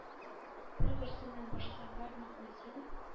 Бер-берсеннән башка бар мәгънәсен